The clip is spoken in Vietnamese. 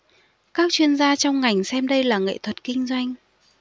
các chuyên gia trong ngành xem đây là nghệ thuật kinh doanh